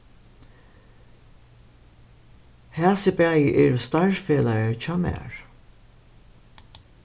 hasi bæði eru starvsfelagar hjá mær